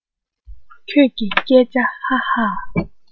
ཁྱོད ཀྱི སྐད ཆ ཧ ཧ